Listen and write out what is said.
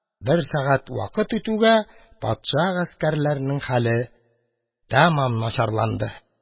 Бер сәгать вакыт үтүгә, патша гаскәрләренең хәле тәмам начарланды.